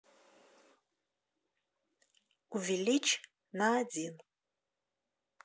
увеличь на один